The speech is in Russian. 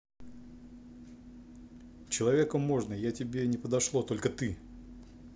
человеком можно я тебе не подошло только ты